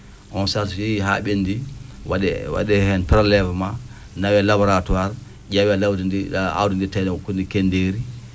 on saan so yeyii haa ɓendii waɗee waɗee heen prélèvement nawee laboratoire ƴeewee aawdi ndii tawii ko ndi kenndeeri